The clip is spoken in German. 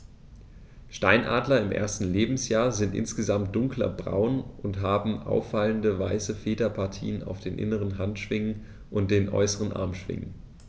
Steinadler im ersten Lebensjahr sind insgesamt dunkler braun und haben auffallende, weiße Federpartien auf den inneren Handschwingen und den äußeren Armschwingen.